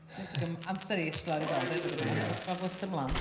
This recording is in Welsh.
Ddim digon o amser i ishte lawr i weld e dyddie 'ma... na. ...ond mae wastad mlaen.